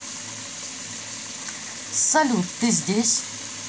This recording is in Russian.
салют ты здесь